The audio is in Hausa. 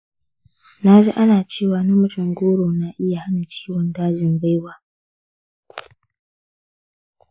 na ji ana cewa namijin goro na iya hana ciwon dajin gwaiwa.